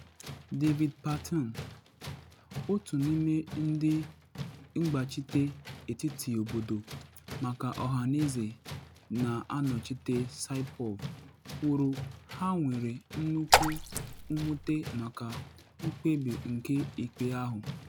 David Patton, otu n’ime ndị mgbachite etiti obodo maka ọhaneze na anọchite Saipov, kwuru ha nwere “nnukwu mwute” maka mkpebi nke ikpe ahụ.